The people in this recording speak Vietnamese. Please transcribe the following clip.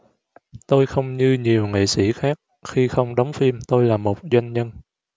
tôi không như nhiều nghệ sĩ khác khi không đóng phim tôi là một doanh nhân